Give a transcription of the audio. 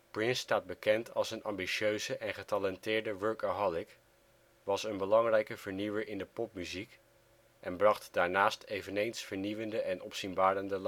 Prince staat bekend als een ambitieuze en getalenteerde workaholic, was een belangrijke vernieuwer in de popmuziek en bracht daarnaast eveneens vernieuwende en opzienbarende